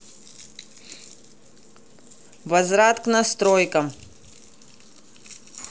возврат к настройкам